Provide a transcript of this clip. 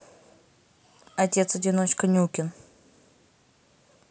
отец одиночка нюкин